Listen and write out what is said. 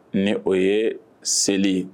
Ni o ye seli ye